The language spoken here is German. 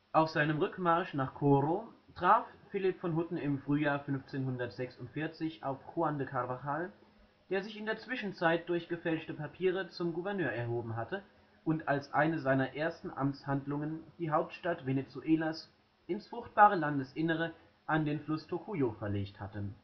Auf seinem Rückmarsch nach Coro traf Philipp von Hutten im Frühjahr 1546 auf Juan de Carvajal, der sich in der Zwischenzeit durch gefälschte Papiere zum Gouverneur erhoben hatte und als eine seiner ersten Amtshandlungen die Hauptstadt Venezuelas ins fruchtbarere Landesinnere an den Fluss Tocuyo verlegt hatte